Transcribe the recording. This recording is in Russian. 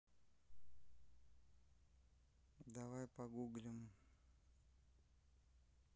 давай погуглим